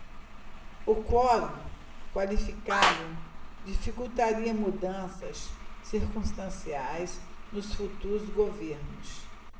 o quorum qualificado dificultaria mudanças circunstanciais nos futuros governos